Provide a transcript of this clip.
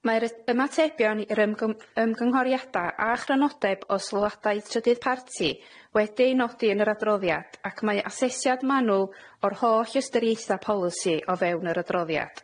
Mae'r ymatebion i'r ymgym- ymgynghoriada a chrynodeb o sylwadau trydydd parti wedi'u nodi yn yr adroddiad, ac mae asesiad manwl o'r holl ystyriaetha' polisi o fewn yr adroddiad.